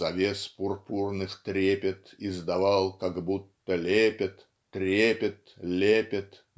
"завес пурпурных трепет издавал как будто лепет трепет лепет